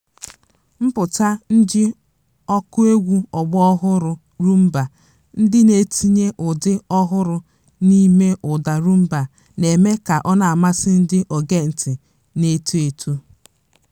Mpụta ndị ọkụegwú ọgbọ ọhụrụ Rhumba ndị na-etinye ụdị ọhụrụ n'ime ụda Rhumba na-eme ka ọ na-amasị ndị ogentị na-eto eto.